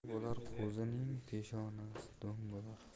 qo'chqor bo'lar qo'zining peshonasi do'ng bo'lar